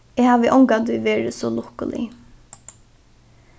eg havi ongantíð verið so lukkulig